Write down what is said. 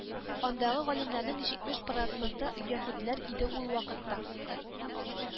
Андагы галимнәрнең җитмеш проценты яһүдләр иде ул вакытта